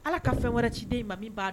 Ala ka fɛn wɛrɛ ci den in ma min b'a